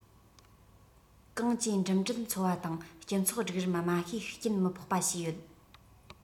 གངས ཀྱིས འགྲིམ འགྲུལ འཚོ བ དང སྤྱི ཚོགས སྒྲིག རིམ དམའ ཤོས ཤུགས རྐྱེན མི ཕོག པ བྱས ཡོད